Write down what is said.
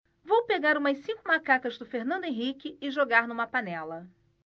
vou pegar umas cinco macacas do fernando henrique e jogar numa panela